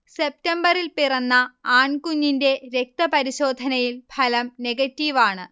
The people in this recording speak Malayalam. സെപ്റ്റംബറിൽ പിറന്ന ആൺകുഞ്ഞിന്റെ രക്തപരിശോധനയിൽ ഫലം നെഗറ്റീവാണ്